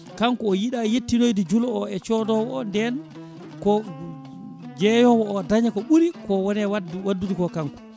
kanko o yiiɗa yettinoyde juula o e codowo o nden ko jeeyowo o daña ko ɓuuri ko woone wadde waddude ko kanko